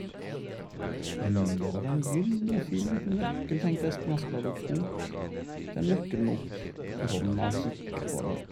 Hm, det var da en gyllen og fin liten nøkkel, tenkte Espen Askeladd, og tok den nøkkelen opp i hånda og kikka på den.